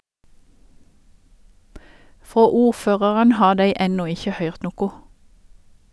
Frå ordføraren har dei enno ikkje høyrt noko.